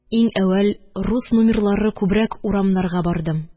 Иң әүвәл рус нумирлары күбрәк урамнарга бардым.